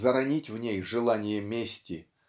заронить в ней желание мести